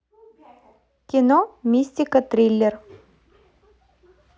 кино мистика триллер